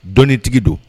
Dɔɔnintigi don